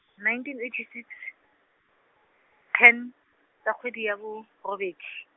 nineteen eighty six, ten, tsa kgwedi ya borobedi.